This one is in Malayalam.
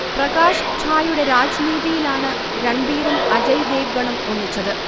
പ്രകാശ് ഝായുടെ രാജ്നീതിയിലാണ് രൺബീറും അജയ് ദേവ്ഗണും ഒന്നിച്ചത്